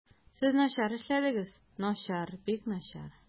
Сез начар эшләдегез, начар, бик начар.